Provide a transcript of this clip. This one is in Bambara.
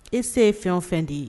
E se ye fɛn o fɛn de ye